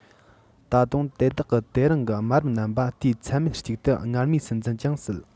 ད དུང དེ དག གི དེ རིང གི དམའ རིམ རྣམ པ དུས ཚད མེད ཅིག ཏུ སྔར མུས སུ འཛིན ཀྱང སྲིད